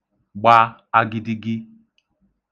gba agidigi